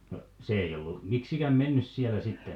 no se ei ollut miksikään mennyt siellä sitten